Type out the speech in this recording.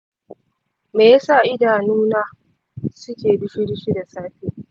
me yasa idanu na suke dushi-dushi da safe?